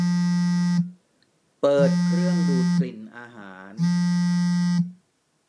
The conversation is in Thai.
เปิดเครื่องดูดกลิ่นอาหาร